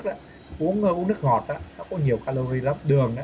uống và uống nước ngọt đã có nhiều ca lo ri lắm đường á